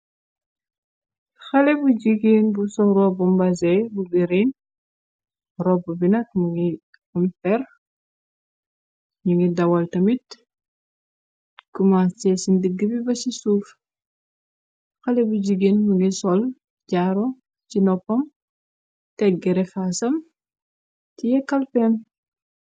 Xale bu jigeen bu sol ropbu mbasee bu giriin ropp binak mu ngi um fer ñi ngir dawal tamit kumescee ci ndigg bi ba ci suuf xale bu jigeen mu ngi sol jaaro ci noppam teggerefaasam ci yekkalpeen.